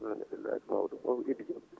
hamdulillahi ko mawɗum o ko Idy Diop